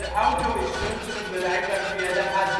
auto is Lunteren bereikbaar via de A30